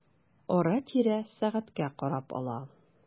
Ара-тирә сәгатькә карап ала.